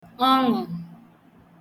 ọṅụ̀